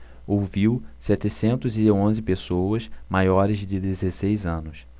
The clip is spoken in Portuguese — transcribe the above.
ouviu setecentos e onze pessoas maiores de dezesseis anos